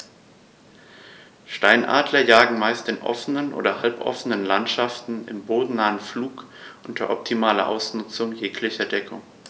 Steinadler jagen meist in offenen oder halboffenen Landschaften im bodennahen Flug unter optimaler Ausnutzung jeglicher Deckung.